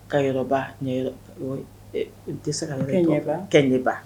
Ka yɔrɔba ɲɛ dɛsɛse ka na kɛ ɲɛba kɛ ɲɛba